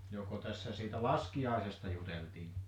joko tässä siitä laskiaisesta juteltiin